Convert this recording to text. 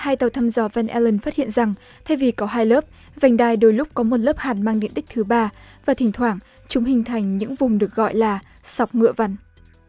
hai tàu thăm dò van e lừn phát hiện rằng thay vì có hai lớp vành đai đôi lúc có một lớp hạt mang điện tích thứ ba và thỉnh thoảng chúng hình thành những vùng được gọi là sọc ngựa vằn